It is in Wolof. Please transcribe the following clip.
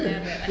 DRDR ayca